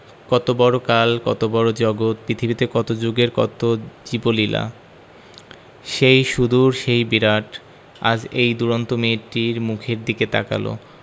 কত বড় কাল কত বড় জগত পৃথিবীতে কত জুগের কত জীবলীলা সেই সুদূর সেই বিরাট আজ এই দুরন্ত মেয়েটির মুখের দিকে তাকাল